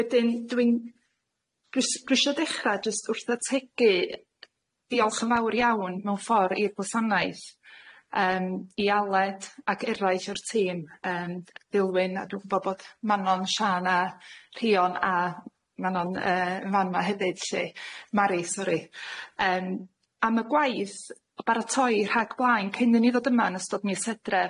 Wedyn dwi'n gwis- dwisio dechra jyst wrth y ategu diolch yn fawr iawn mewn ffor i'r gwasanaeth yym, i Aled ag eraill o'r tîm yym Dilwyn a dwi gwbod bod Manon Siân a Rhion a Manon yy yn fan 'ma hefyd 'lly Mari sori yym am y gwaith baratoi rhag blaen cyn i ni ddod yma yn ystod mis Hydref.